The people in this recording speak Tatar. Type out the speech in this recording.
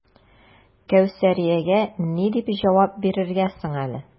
Кәүсәриягә ни дип җавап бирергә соң әле?